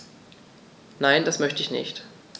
Nein, das möchte ich nicht.